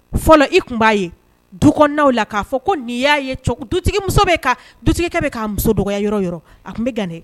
Fɔlɔ i kun ba ye dukɔnɔnaw la ka fɔ ko ni ya ye dutigimuso bɛ . Dutikikɛ ba muso dɔgɔ yɔrɔ yɔrɔ a kun bɛ gan.